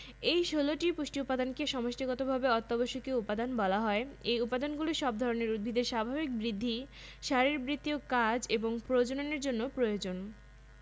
nitrogen nitrogen nucleic acid protein আর ক্লোরোফিলের অত্যাবশ্যকীয় উপাদান উদ্ভিদের সাধারণ দৈহিক বৃদ্ধিতে নাইট্রোজেন গুরুত্বপূর্ণ ভূমিকা পালন করে এবং কোষ কলায় পানির পরিমাণ বৃদ্ধি করে